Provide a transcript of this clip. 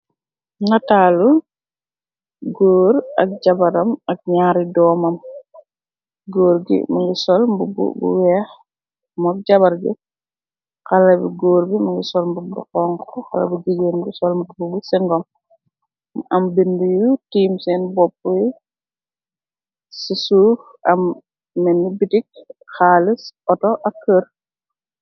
Nataalu góor ak jabaram ak ñaari doomam, gór gi mungi sol mbub bu weex moog jabar gi ,xalabi góor bi mungi sol mbub bu xongk, xala bu jigeen bi sol mbubu bu singom, am bind yu tiim seen bopp yi, ci suuf am meni bitik xaalis oto ak kër.